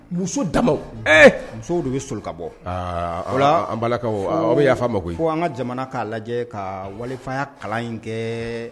Muso dama musow de bɛ sɔli ka bɔ aa o la an balakaw bɛ yafa an ma koyi fɔ an ka jamana k'a lajɛ ka walifayya kalan in kɛ'